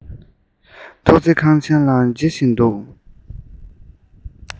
ཐོག བརྩེགས ཁང ཆེན ལ ཅེར བཞིན འདུག